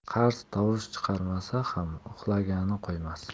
qarz tovush chiqarmasa ham uxlagani qo'ymas